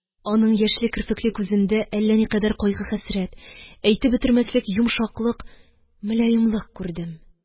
Аның яшьле керфекле күзендә әллә никадәр кайгы-хәсрәт, әйтеп бетермәслек йомшаклык, мөлаемлык күрдем